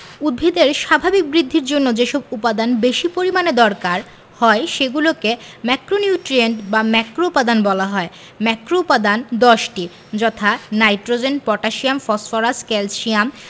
উদ্ভিদের স্বাভাবিক বৃদ্ধির জন্য যেসব উপাদান বেশি পরিমাণে দরকার হয় সেগুলোকে ম্যাক্রোনিউট্রিয়েন্ট বা ম্যাক্রোউপাদান বলা হয় ম্যাক্রোউপাদান 10টি যথা নাইট্রোজেন পটাসশিয়াম ফসফরাস ক্যালসিয়াম